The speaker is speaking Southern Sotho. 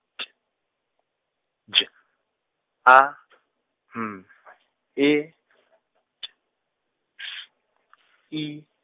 T J A M E T S E.